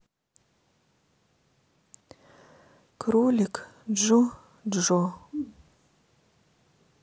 кролик джо джо